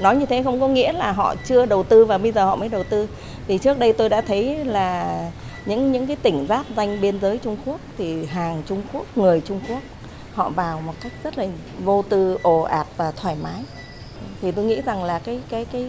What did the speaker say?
nói như thế không có nghĩa là họ chưa đầu tư và bây giờ họ mới đầu tư vì trước đây tôi đã thấy là những những cái tỉnh giáp ranh biên giới trung quốc thì hàng trung quốc người trung quốc họ vào một cách rất vô tư ồ ạt và thoải mái thì tôi nghĩ rằng là cái cái cái